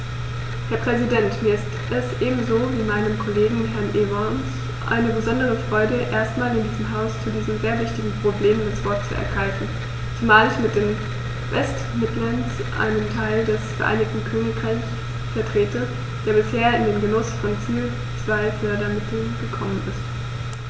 Herr Präsident, mir ist es ebenso wie meinem Kollegen Herrn Evans eine besondere Freude, erstmals in diesem Haus zu diesem sehr wichtigen Problem das Wort zu ergreifen, zumal ich mit den West Midlands einen Teil des Vereinigten Königreichs vertrete, der bisher in den Genuß von Ziel-2-Fördermitteln gekommen ist.